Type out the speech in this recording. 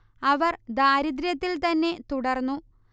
അവർ ദാരിദ്ര്യത്തിൽ തന്നെ തുടർന്നു